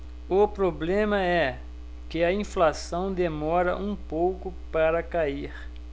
o problema é que a inflação demora um pouco para cair